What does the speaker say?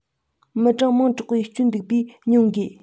མི གྲངས མང དྲགས པའི སྐྱོན འདུག པས བསྙུང དགོས